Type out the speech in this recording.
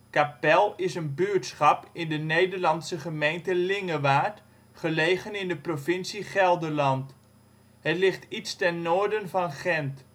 Kapel is een buurtschap in de Nederlandse gemeente Lingewaard, gelegen in de provincie Gelderland. Het ligt iets ten noorden van Gendt